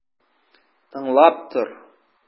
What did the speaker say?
Тыңлап тор!